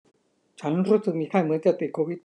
ฉันรู้สึกมีไข้เหมือนจะติดโควิด